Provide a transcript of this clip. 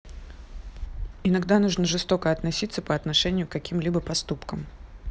иногда нужно жестоко относиться по отношению к каким либо поступкам